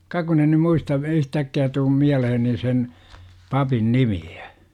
ka kun en nyt muista yhtäkkiä tule mieleeni sen papin nimeä